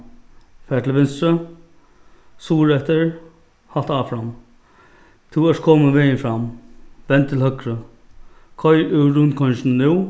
far til vinstru suðureftir halt áfram tú ert komin vegin fram vend til høgru koyr úr rundkoyringini nú